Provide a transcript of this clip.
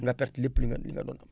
nga perte lépp li nga li nga doon am